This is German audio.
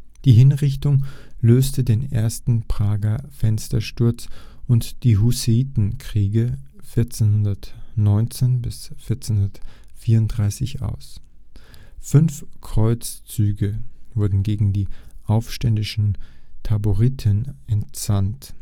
Die Hinrichtung löste den ersten Prager Fenstersturz und die Hussitenkriege (1419 – 1434) aus. Fünf Kreuzzüge wurden gegen die aufständischen Taboriten entsandt